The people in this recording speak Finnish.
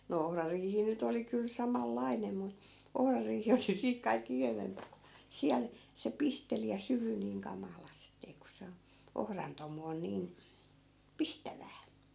no ohrariihi nyt oli kyllä samanlainen mutta ohrariihi oli siitä kaikkein ikävämpää siellä se pisteli ja syyhyi niin kamalasti kun se - ohran tomu on niin pistävää